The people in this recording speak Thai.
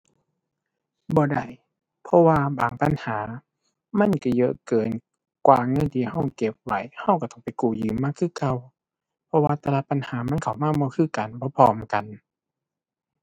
บ่ได้ เพราะว่าบางปัญหามันก็เยอะเกินกว่าเงินที่ก็เก็บไว้ ก็ก็ต้องไปกู้ยืมมาคือเก่า เพราะว่าแต่ละปัญหามันเข้ามาบ่คือกัน บ่พร้อมกัน